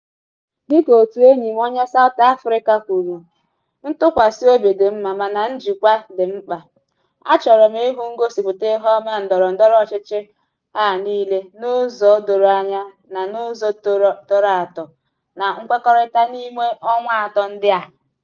Dịka otu enyi m onye South Africa kwuru: “Ntụkwasịobi dị mma, mana njikwa dị mkpa!” [..] A chọrọ m ịhụ ngosipụta iheọma ndọrọndọrọ ọchịchị a niile n'ụzọ doro anya na n'ụzọ tọrọ atọ̀ na nkwekọrịta n'ime ọnwa atọ ndị a!